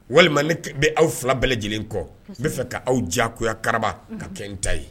Walima ne bɛ aw 2 bɛɛ lajɛlen kɔ n bɛ fɛ ka aw diyagoya karaba ka kɛ n ta ye!